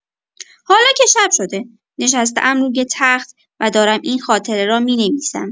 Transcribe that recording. حالا که شب شده، نشسته‌ام روی تخت و دارم این خاطره را می‌نویسم.